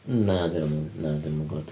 Na, dydi- dydi hwnna ddim yn cladding.